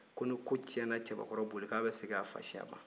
ko ni ko tiɲɛna cɛbakɔrɔ bolo a bɛ segin i fasiya ma